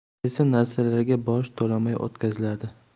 qaysi narsalarga boj to'lamay o'tkaziladi